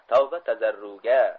tavba tazarruga